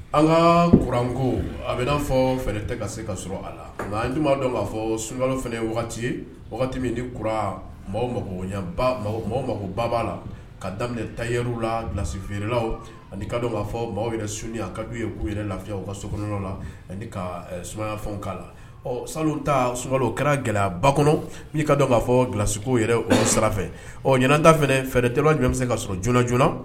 An ka kuranko a bɛ n'a fɔ fɛ tɛ ka se ka a la nka nci b'a fɔ sunkalo fana wagati wagati min mako makoba la ka daminɛ taw lasi feerelaw ani ka fɔ maaw yɛrɛ s kau yɛrɛ lafi ka sokɔnɔ la ani ka sumaya k'a la sanu ta sunka kɛra gɛlɛyaba kɔnɔ ni ka k'a fɔlasiko yɛrɛ o sara ɲtaɛrɛ jumɛn bɛ se ka sɔrɔ joona joona